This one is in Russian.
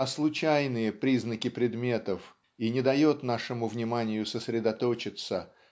а случайные признаки предметов и не дает нашему вниманию сосредоточиться